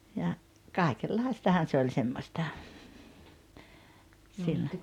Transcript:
ja kaikenlaistahan se oli semmoista silloin